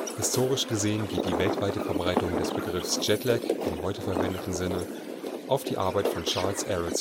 Historisch gesehen geht die weltweite Verbreitung des Begriffes „ Jetlag “(im heute verwendeten Sinne) auf die Arbeit von Charles Ehret